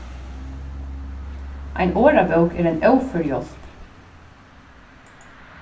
ein orðabók er ein ófør hjálp